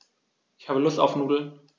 Ich habe Lust auf Nudeln.